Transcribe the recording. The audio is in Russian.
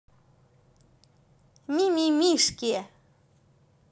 мимимишки